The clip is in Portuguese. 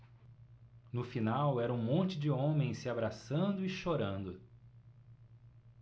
no final era um monte de homens se abraçando e chorando